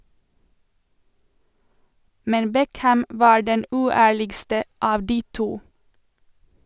Men Beckham var den uærligste av de to.